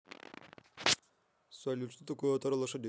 салют что такое атара лошадей